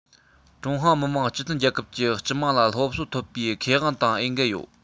ཀྲུང ཧྭ མི དམངས སྤྱི མཐུན རྒྱལ ཁབ ཀྱི སྤྱི དམངས ལ སློབ གསོ ཐོབ པའི ཁེ དབང དང འོས འགན ཡོད